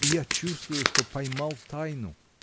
и я чувствую, что поймал тайну.